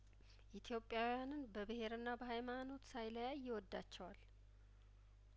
ኢትዮጵያዊያንን በብሄርና በሀይማኖት ሳይለያይ ይወዳቸዋል